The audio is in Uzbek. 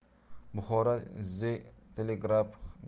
buxoro the telegraph